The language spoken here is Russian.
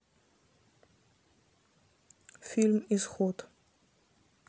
фильм исход